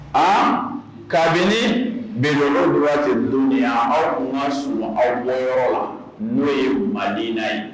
A kabini bɛnlɔ duman tɛ don y' aw ka su aw bɔ yɔrɔ la n'o ye ma ye